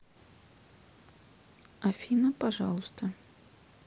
афина пожалуйста